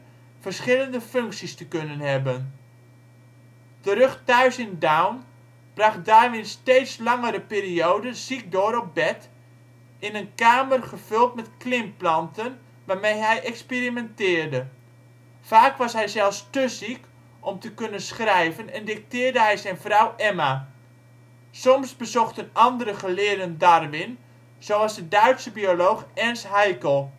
verschillende functies te kunnen hebben. Terug thuis in Downe bracht Darwin steeds langere perioden ziek door op bed, in een kamer gevuld met klimplanten waarmee hij experimenteerde. Vaak was hij zelfs te ziek om te kunnen schrijven en dicteerde hij zijn vrouw Emma. Soms bezochten andere geleerden Darwin, zoals de Duitse bioloog Ernst Haeckel